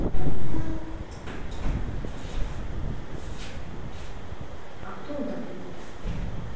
а кто он такой то